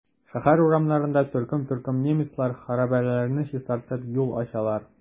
Шәһәр урамнарында төркем-төркем немецлар хәрабәләрне чистартып, юл ачалар.